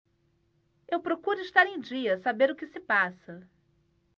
eu procuro estar em dia saber o que se passa